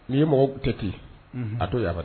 N'i ye mago tɛ ten a don yafa